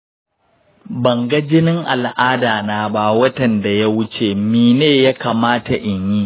ban ga jinin al'ada na ba watan da ya wuce, mene yakamata inyi?